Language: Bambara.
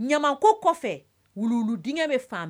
Ɲaman ko kɔfɛ wulu denkɛ bɛ fan